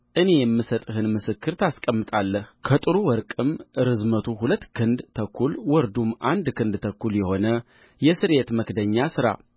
እኔ የምሰጥህን ምስክር ታስቀምጣለህ ከጥሩ ወርቅም ርዝመቱ ሁለት ክንድ ተኩል ወርዱም አንድ ክንድ ተኩል የሆነ የስርየት መክደኛ ሥራ